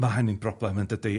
Ma' hynny'n broblem, yndydi?